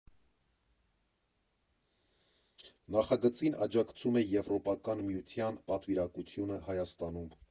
Նախագծին աջակցում է Եվրոպական միության պատվիրակութունը Հայաստանում։